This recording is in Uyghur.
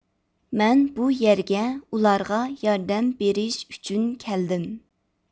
مەن بۇ يەرگە ئۇلارغا ياردەم بېرىش ئۈچۈن كەلدىم